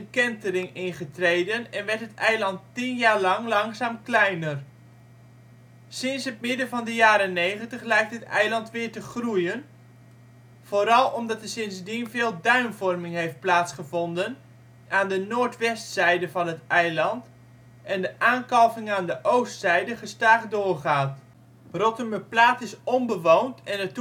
kentering ingetreden en werd het eiland tien jaar lang langzaam kleiner. Sinds het midden van de jaren ' 90 lijkt het eiland weer te groeien. Vooral omdat er sindsdien veel duinvorming heeft plaatsgevonden aan de noordwestzijde van het eiland en de aankalving aan de oostzijde gestaag doorgaat. Rottumerplaat is onbewoond, en